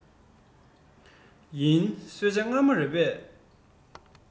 ཡིན གསོལ ཇ མངར མོ རེད པས